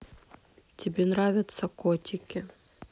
тебе нравятся котики